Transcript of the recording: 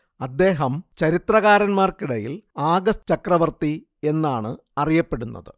അദ്ദേഹം ചരിത്രകാരന്മാർക്കിടയിൽ ആഗസ്ത് ചക്രവർത്തി എന്നാണ് അറിയപ്പെടുന്നത്